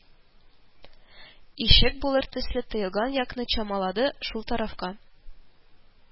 Ишек булыр төсле тоелган якны чамалады, шул тарафка